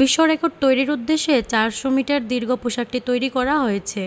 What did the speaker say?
বিশ্বরেকর্ড তৈরির উদ্দেশ্যে ৪০০ মিটার দীর্ঘ পোশাকটি তৈরি করা হয়েছে